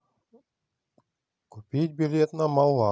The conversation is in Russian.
купить билет на мулан